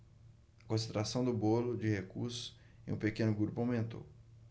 a concentração do bolo de recursos em um pequeno grupo aumentou